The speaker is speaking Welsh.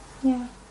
Ie.